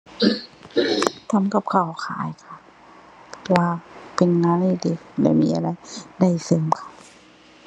ทำกับข้าวขายค่ะ เพราะว่าเป็นงานอดิเรกและมีรายได้เสริมค่ะ